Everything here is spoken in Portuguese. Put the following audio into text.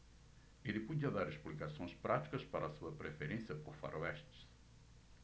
ele podia dar explicações práticas para sua preferência por faroestes